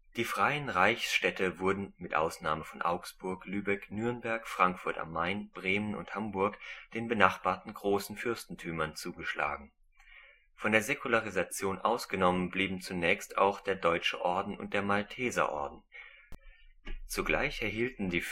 Die freien Reichsstädte wurden (mit Ausnahme von Augsburg, Lübeck, Nürnberg, Frankfurt am Main, Bremen und Hamburg) den benachbarten großen Fürstentümern zugeschlagen. Von der Säkularisation ausgenommen blieben zunächst auch der Deutsche Orden und der Malteserorden. Zugleich erhielten die